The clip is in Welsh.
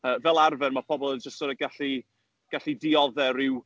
Yy, fel arfer, ma' pobl yn jyst sorta gallu gallu diodde ryw...